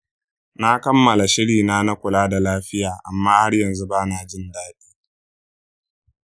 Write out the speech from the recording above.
na kammala shiri na na kula da lafiya amma har yanzu ba na jin daɗi.